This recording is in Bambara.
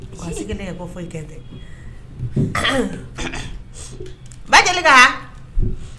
K'a sigi nɛgɛkɔrɔ foyi kɛn tɛ, , Bajelikaa